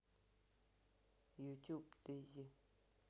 ютуб дейзи